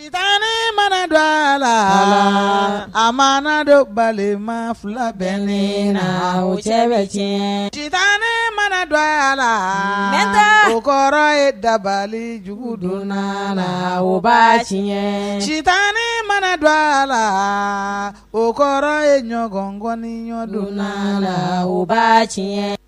Tan ne mana don a la a madenw bali ma fila bɛ ne la o cɛ bɛ tiɲɛ ci tan ne mana don a la nta o kɔrɔ ye dabali jugu don a la ba tiɲɛɲɛ citan ne mana don a la o kɔrɔ ye ɲɔgɔnkɔni ɲɔgɔndon la u ba tiɲɛ